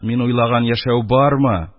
Мин уйлаган яшәү бармы?